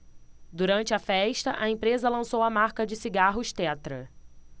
durante a festa a empresa lançou a marca de cigarros tetra